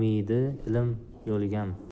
umidi ilm yo'ligami